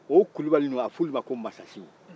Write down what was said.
o kulubali ninnu a bɛ f'olu ma ko mansasiw